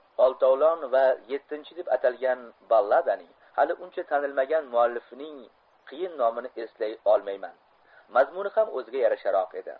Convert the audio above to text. oltovlon va yettinchi deb atalgan balladaning hali uncha tanilmagan muallifning qiyin nomini eslay olmayman mazmuni ham o'ziga yarasharoq edi